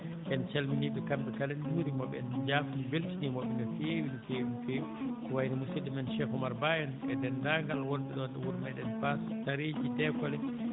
en calminii ɓe kamɓe kala en njuuriima ɓe en jafni en mbeltamoo ɓe no feewi no feewi no feewi ko wayi no musidɗo men Cheikh Oumar Ba en e denndaangal wonɓe ɗon ɗo wuro meɗen Face Taareji *